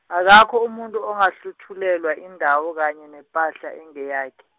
akakho umuntu ongahluthulelwa indawo, kanye nepahla engeyakhe.